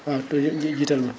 waaw te loolu yëpp ñu jiitam ma